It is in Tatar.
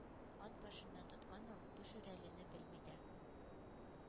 Ат башыннан тоткан ул, бу Шүрәлене белми дә;